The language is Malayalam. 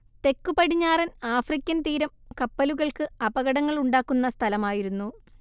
തെക്കുപടിഞ്ഞാറൻ ആഫ്രിക്കൻ തീരം കപ്പലുകൾക്ക് അപകടങ്ങൾ ഉണ്ടാക്കുന്ന സ്ഥലമായിരുന്നു